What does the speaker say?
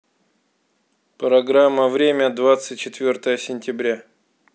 программа время двадцать четвертое сентября